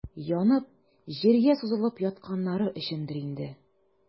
Янып, җиргә сузылып ятканнары өчендер инде.